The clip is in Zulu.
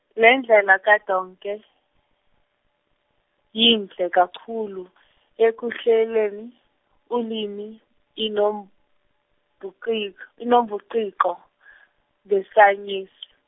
lendlela kaDonke yinhle kakhulu ekuhleleni ulimi, inombhuqi- inobuciko besayensi.